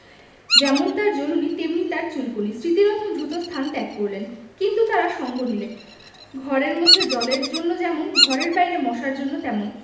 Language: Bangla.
যেমন তার জ্বলুনি তেমনি তার চুলকুনি স্মৃতিরত্ন দ্রুত স্থান ত্যাগ করলেন কিন্তু তারা সঙ্গ নিলে ঘরের মধ্যে জলের জন্য যেমন ঘরের বাইরে মশার জন্য তেমন